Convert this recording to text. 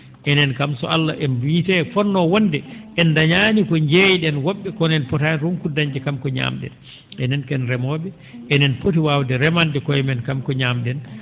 enen kam so Allah en wiite fotnoo wonde en ndañaani ko njeey?en wo??e kono en pota ronkude dañde kam ko ñaam?en enen ko en remoo?e enen poti waawde remande koye men kam ko ñaam?en